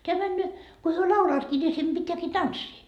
tämä menee kun he laulavatkin niin sen pitääkin tanssia